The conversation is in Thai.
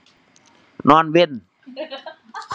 นอนวัน